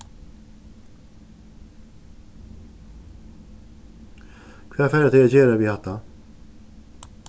hvat fara tey at gera við hatta